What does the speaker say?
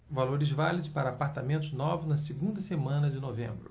valores válidos para apartamentos novos na segunda semana de novembro